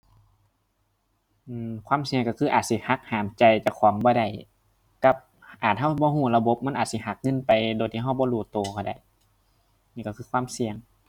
อือ ความเสี่ยงก็คืออาจสิหักห้ามใจเจ้าของบ่ได้ กับอาจก็บ่ก็ระบบมันอาจสิหักเงินไปโดยที่ก็บ่รู้ก็ก็ได้ นี่ก็คือความเสี่ยง